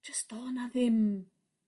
Jys do' 'na ddim